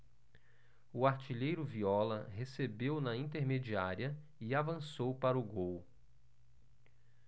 o artilheiro viola recebeu na intermediária e avançou para o gol